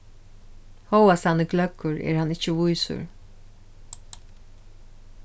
hóast hann er gløggur er hann ikki vísur